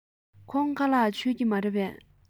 ཁོང ཁ ལག མཆོད ཀྱི མ རེད པས